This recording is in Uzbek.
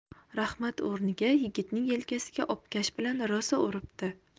rahmat o'rniga yigitning yelkasiga obkash bilan rosa uribdi